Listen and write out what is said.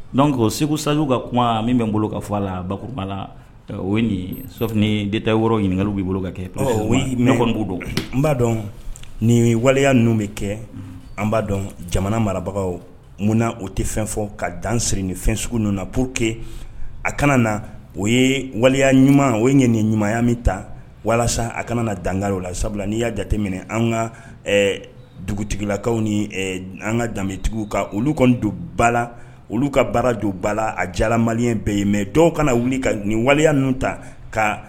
Don segu sa ka kuma min bɛ n bolo ka fɔ la ba la sɔ deta yɔrɔ ɲininkaka b'i bolo ka kɛ b' don n b'a dɔn nin waleya ninnu bɛ kɛ an b'a dɔn jamana marabagaw munna o tɛ fɛn fɔ ka dan siri ni fɛn sugu ninnu na puro que a kana na o ye waleya ɲuman o ye nin ɲumanya min ta walasa a kana na danga ola sabula n'i y'a jateminɛ an ka dugutigilakaw ni an ka danbebetigiw ka olu kɔni don bala olu ka baara jɔ bala a jalamaya bɛɛ yen mɛ dɔw kana wuli ka nin waleya ninnu ta ka